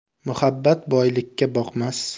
muhabbat boylikka boqmas